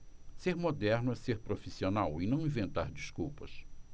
ser moderno é ser profissional e não inventar desculpas